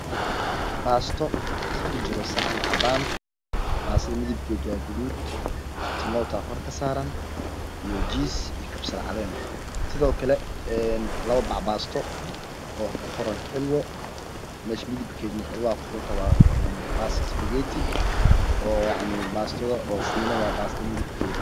Baasto ku jiro saxan cadaan baastada midabkeed waa gaduud tomoto aa kor ka saaran iyo jiis iyo kabsar caleen sidoo kale een 2 bac baasto oo ku qoran xilwa meesha midabkeeda xilwa ku qoran waana baasto een isbageeti oo yacni baastada fiino waaye midabkeed